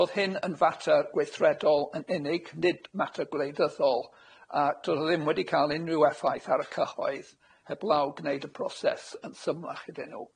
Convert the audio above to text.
Ro'dd hyn yn fater gweithredol yn unig. Nid mater gwleidyddol. A to'dd o ddim wedi ca'l unrhyw effaith ar y cyhoedd, heblaw gneud y proses yn symlach iddyn nw.